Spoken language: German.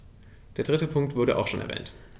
Der dritte Punkt wurde auch schon erwähnt.